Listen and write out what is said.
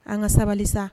An ka sabali sa!